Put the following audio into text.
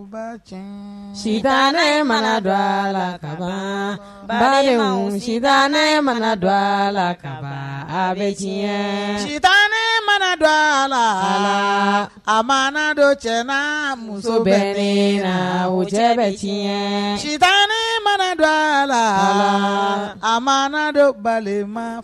Ba cɛ sita ne mana dɔ a la ka ba si ne mana dɔ a la ka bɛ diɲɛ sita ne mana dɔ a la a ma dɔ cɛ muso bɛ la o cɛ bɛ sita ne mana dɔ a la a ma don balimama